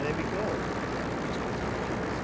There we go just with the tattoos.